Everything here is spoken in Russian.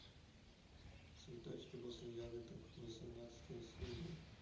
цветочки после ягодок восемнадцатая серия